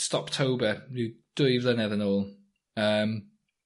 Stoptober ryw dwy flynedd yn ôl. Yym.